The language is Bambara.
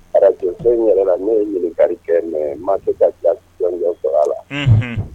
Radio so in yɛrɛ la , ne ye ɲininkali kɛ mais ma se ka jaabili sɔrɔ a la. Unhun